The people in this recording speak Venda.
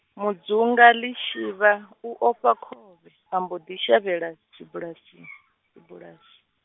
Mudzunga Lishivha, u ofha khovhe, a mbo ḓi shavhela dzibulasini, dzibulasi.